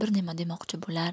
bir nima demoqchi bo'lar